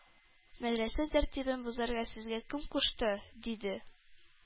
Мәдрәсә тәртибен бозарга сезгә кем кушты? - диде.